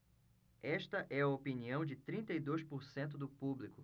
esta é a opinião de trinta e dois por cento do público